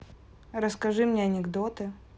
расскажи мне анекдоты